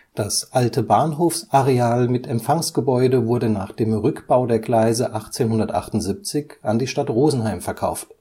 Das alte Bahnhofsareal mit Empfangsgebäude wurde nach dem Rückbau der Gleise 1878 an die Stadt Rosenheim verkauft